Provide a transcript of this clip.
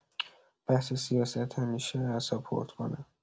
بحث سیاست همیشه اعصاب‌خردکنه.